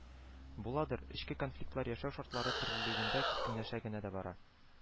Буладыр, эчке конфликтлар яшәү шартлары төрлелегендә кискенләшә генә дә бара